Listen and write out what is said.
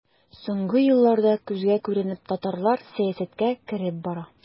Соңгы елларда күзгә күренеп татарлар сәясәткә кереп бара.